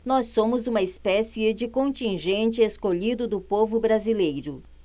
nós somos uma espécie de contingente escolhido do povo brasileiro